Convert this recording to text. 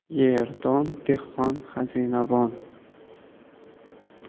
yer don dehqon xazinabon